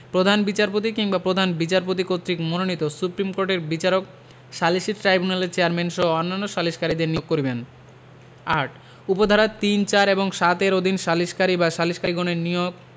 প্রধান বিচারপতি কিংবা প্রধান বিচারপতি কর্তৃক মনোনীত সুপ্রীম কোর্টের বিচারক সালিসী ট্রাইব্যুনালের চেয়ারম্যানসহ অন্যান্য সালিসকারীদের নিয়োগ করিবেন ৮ উপ ধারা ৩ ৪ এবং ৭ এর অধীন সালিসকারী বা সালিসকারীগণের নিয়োগ